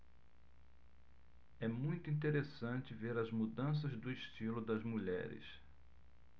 é muito interessante ver as mudanças do estilo das mulheres